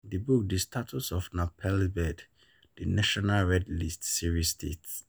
The book The Status of Nepal’s Birds: The National Red List Series states: